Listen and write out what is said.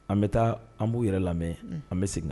An bɛ taa an b'u yɛrɛ lamɛn an bɛ segin